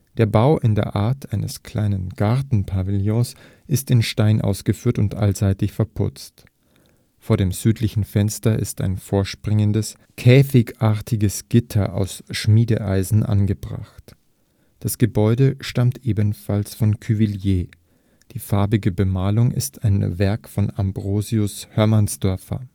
Der Bau in der Art eines kleinen Gartenpavillons ist in Stein ausgeführt und allseitig verputzt, vor dem südlichen Fenster ist ein vorspringendes, käfigartiges Gitter aus Schmiedeeisen angebracht. Das Gebäude stammt ebenfalls von Cuvilliés; die farbige Bemalung ist ein Werk von Ambrosius Hörmannstorfer